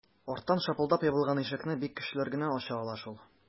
Арттан шапылдап ябылган ишекне бик көчлеләр генә ача ала шул...